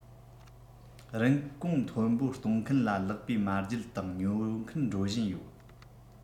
རིན གོང མཐོན པོ གཏོང མཁན ལ ལེགས པས མ བརྗེད དང ཉོ མཁན འགྲོ བཞིན ཡོད